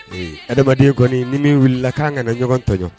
Adamaden kɔni ni m min wulila k'an kana ɲɔgɔn tɔɲɔ